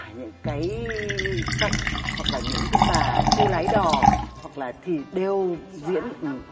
những cái cảnh hoặc là những bà cô lái đò hoặc là thì đều diễn